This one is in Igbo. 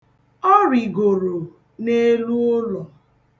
Ọ rigoro n'elu ụlọ.